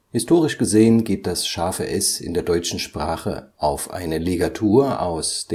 Historisch gesehen geht das ß in der deutschen Sprache auf eine Ligatur aus